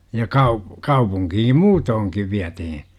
ja - kaupunkiin muutenkin vietiin